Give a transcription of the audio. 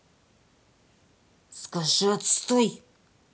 скажи отстой